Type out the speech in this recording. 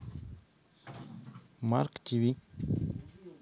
марк тиви